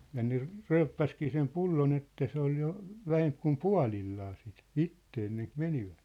ja ne ryyppäsikin sen pullon että se oli jo vähempi kuin puolillaan sitten itse ennen kun menivät